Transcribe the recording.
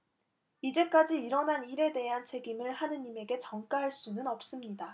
이제까지 일어난 일에 대한 책임을 하느님에게 전가할 수는 없습니다